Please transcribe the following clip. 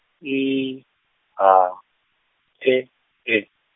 I H E E.